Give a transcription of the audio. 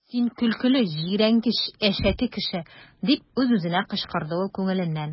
Син көлкеле, җирәнгеч, әшәке кеше! - дип үз-үзенә кычкырды ул күңеленнән.